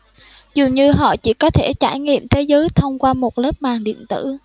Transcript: dường như họ chỉ có thể trải nghiệm thế giới thông qua một lớp màng điện tử